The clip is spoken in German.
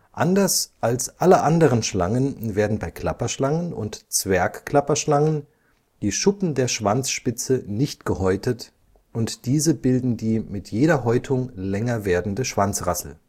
Anders als alle anderen Schlangen werden bei Klapperschlangen und Zwergklapperschlangen die Schuppen der Schwanzspitze nicht gehäutet, und diese bilden die mit jeder Häutung länger werdende Schwanzrassel